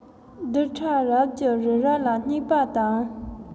རྡུལ ཕྲ རབ ཀྱིས རི རབ ལ བསྙེགས པ དང